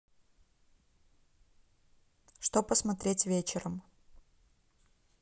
что посмотреть вечером